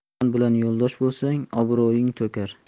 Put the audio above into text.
yomon bilan yo'ldosh bo'lsang obro'ying to'kar